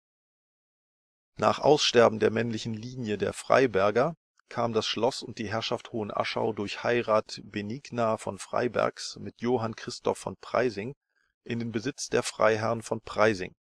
Nach Aussterben der männlichen Line der Freyberger kam das Schloss und die Herrschaft Hohenaschau durch Heirat Benigna von Freybergs mit Johann Christoph von Preysing in den Besitz der Freiherren von Preysing